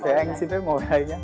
thế anh xin phép ngồi đây nhá